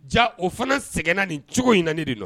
Ja o fana sɛgɛnna nin cogo in na ne de nɔ